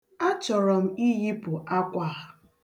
A chọrọ iyipụ akwa a.